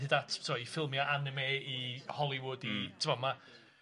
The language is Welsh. Hyd at t'mo' i ffilmia' anime i Hollywood i... Hmm. ...t'mo' ma'